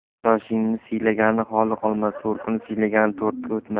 qarindoshini siylagan xoli qolmas to'rkunini siylagan to'rga o'tmas